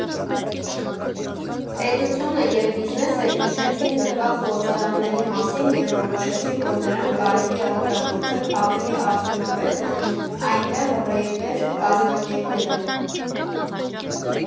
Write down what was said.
Պետությունը և բիզնեսը հիշեցին լքված գործարանների մասին և որոշեցին, որ դրանք կարելի է օգտագործել ավելի արդյունավետ, քան այնտեղ ռեյվեր կազմակերպելը։